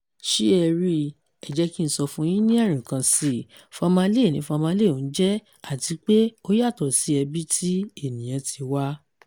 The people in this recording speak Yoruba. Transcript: Ṣé ẹ rí i , ẹ jẹ́ kí n sọ fún un yín ní ẹ̀rìnkan sí i, famalay ni famalay ń jẹ́ àti pé ó yàtọ̀ sí ẹbí tí ènìyàn ti wá